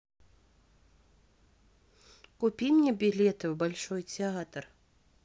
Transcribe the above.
купи мне билеты в большой театр